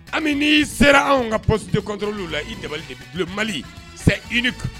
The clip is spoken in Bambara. Ami n'i sera anw ka psitek la i da mali sa i ni